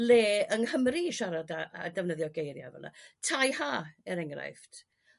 le yng Nghymru i siarad a a defnyddio geiria' fela. Tai ha er enghraifft.